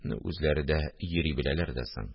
Ну, үзләре йөри беләләр дә соң